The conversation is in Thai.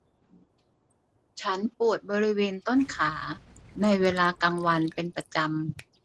ฉันปวดบริเวณต้นขาในเวลากลางวันเป็นประจำ